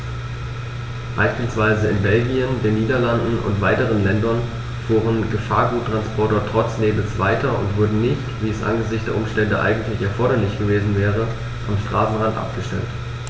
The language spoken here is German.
Beispielsweise in Belgien, den Niederlanden und weiteren Ländern fuhren Gefahrguttransporter trotz Nebels weiter und wurden nicht, wie es angesichts der Umstände eigentlich erforderlich gewesen wäre, am Straßenrand abgestellt.